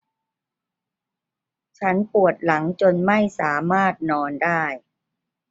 ฉันปวดหลังจนไม่สามารถนอนได้